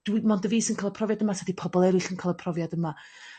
dwi... Mond y fi sy'n ca'l y profiad yma? T' 'di pobol eryll yn ca'l y profiad yma?